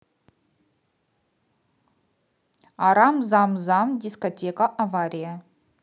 арам зам зам дискотека авария